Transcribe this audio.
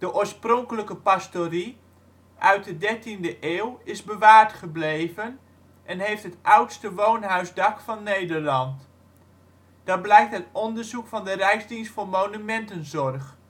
oorspronkelijke pastorie, uit de dertiende eeuw is bewaard gebleven en heeft het oudste woonhuisdak van Nederland. Dat blijkt uit onderzoek van de Rijksdienst voor Monumentenzorg